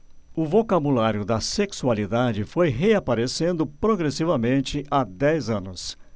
o vocabulário da sexualidade foi reaparecendo progressivamente há dez anos